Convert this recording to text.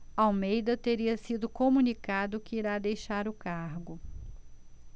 almeida teria sido comunicado que irá deixar o cargo